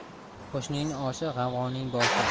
qo'shnining oshi g'avg'oning boshi